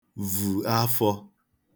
vù afọ̄